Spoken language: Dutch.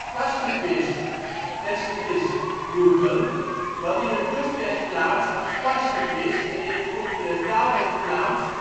vaske vis ' (verse vis) roepen, wat in het Kustwest-Vlaams als vassche vis, en in het continentaal West-Vlaams